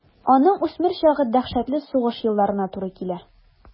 Аның үсмер чагы дәһшәтле сугыш елларына туры килә.